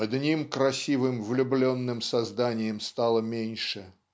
"одним красивым влюбленным созданием стало меньше".